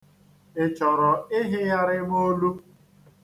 Ị chọrọ ịhịgharị m olu?